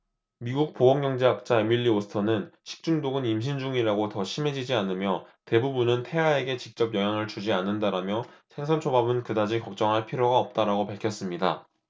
미국 보건경제학자 에밀리 오스터는 식중독은 임신 중이라고 더 심해지지 않으며 대부분은 태아에게 직접 영향을 주지 않는다라며 생선초밥은 그다지 걱정할 필요가 없다라고 밝혔습니다